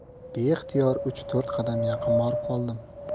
beixtiyor uch to'rt qadam yaqin borib qoldim